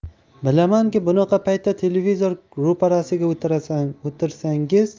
bilamanki bunaqa paytda televizor ro'parasiga o'tirsangiz